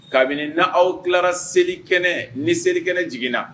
Kabini n aw tilara selikɛnɛ ni selikɛnɛ jiginna